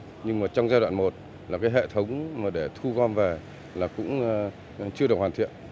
nhưng mà trong giai đoạn một là cái hệ thống mà để thu gom về là cũng chưa được hoàn thiện